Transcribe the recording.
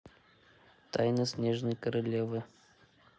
тайна снежной королевы